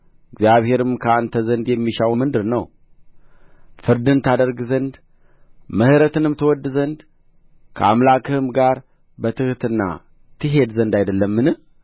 እግዚአብሔርም ከአንተ ዘንድ የሚሻው ምንድር ነው ፍርድን ታደርግ ዘንድ ምሕረትንም ትወድድ ዘንድ ከአምላክህም ጋር በትሕትና ትሄድ ዘንድ አይደለምን